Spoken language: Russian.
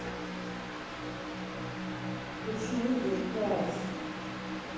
почему заикаешься